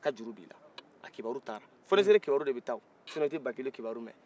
a ka juru b'i la a kibaru taara fonesere kibaru de b'i ta sinon i tɛ bakilo tamɛ